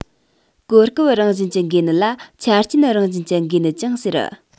གོ སྐབས རང བཞིན གྱི འགོས ནད ལ ཆ རྐྱེན རང བཞིན གྱི འགོས ནད ཀྱང ཟེར